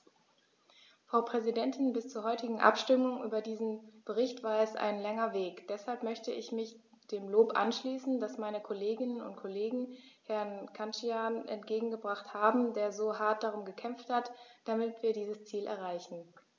Frau Präsidentin, bis zur heutigen Abstimmung über diesen Bericht war es ein langer Weg, deshalb möchte ich mich dem Lob anschließen, das meine Kolleginnen und Kollegen Herrn Cancian entgegengebracht haben, der so hart darum gekämpft hat, damit wir dieses Ziel erreichen.